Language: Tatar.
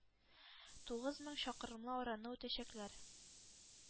Тугыз мең чакрымлы араны үтәчәкләр.